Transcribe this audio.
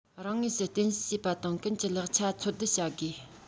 རང ངོས སུ རྟེན གཞི བྱེད པ དང ཀུན གྱི ལེགས ཆ འཚོལ བསྡུ བྱ དགོས